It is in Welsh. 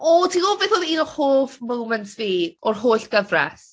O ti'n gwybod beth oedd un o hoff moments fi o'r holl gyfres?